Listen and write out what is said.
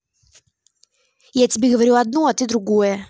я тебе говорю одно а ты другой